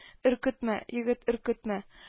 Өркетмә, егет- өркетмә